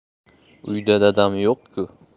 uyda dadam yo'q ku